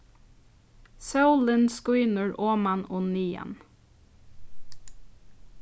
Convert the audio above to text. sólin skínur oman og niðan